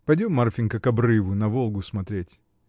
— Пойдем, Марфинька, к обрыву, на Волгу смотреть.